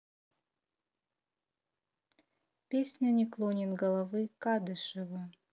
песня не клонит головы кадышева